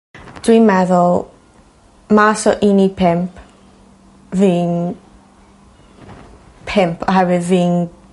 Dwi 'n meddwl mas o un i pump fi'n pump oherwydd fi'n